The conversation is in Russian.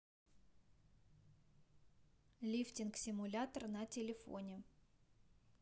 лифтинг симулятор на телефоне